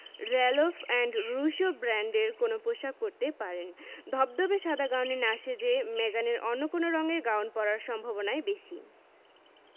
Ralph and Russo ব্র্যান্ডের কোনো পোশাক পরতে পারেন ধবধবে সাদা গাউনে না সেজে মেগানের অন্য কোন রঙের গাউন পরার সম্ভাবনাই বেশি